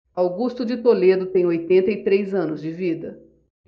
augusto de toledo tem oitenta e três anos de vida